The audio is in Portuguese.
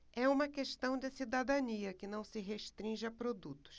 é uma questão de cidadania que não se restringe a produtos